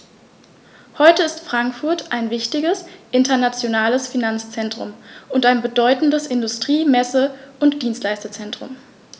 Heute ist Frankfurt ein wichtiges, internationales Finanzzentrum und ein bedeutendes Industrie-, Messe- und Dienstleistungszentrum.